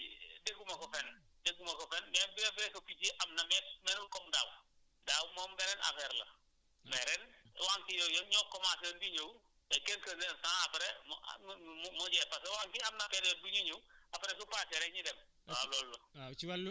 mais picc yi dégguma ko fenn dégguma ko fenn bien vrai que picc yi am na melul comme daaw daaw moom beneen affaire la mais ren wànq yooyu ñoo commencer di ñëw te quelques instant après mu mu mu jeex fa te aussi am na période bu ñuy ñëw après su paasee rek ñu dem waaw lo